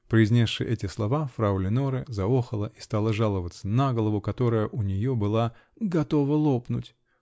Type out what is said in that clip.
Произнесши эти слова, фрау Леноре заохала и стала жаловаться на голову, которая у нее была "готова лопнуть".